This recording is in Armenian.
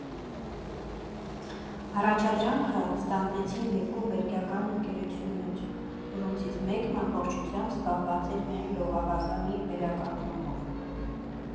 Առաջադրանքը ստանձնեցին երկու բելգիական ընկերություններ, որոնցից մեկն ամբողջությամբ զբաղված էր միայն լողավազանի վերականգնումով։